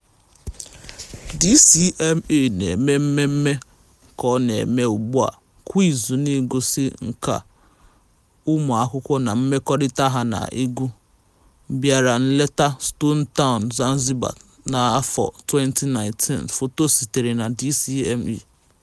DCMA na-eme mmemme ka ọ na-eme ugbua kwa izu na-egosi nkà ụmụakwụkwọ na mmekorita ha na ndị na-agụ egwu bịara nleta, Stone Town, Zanzibar, 2019. Foto sitere na DCMA.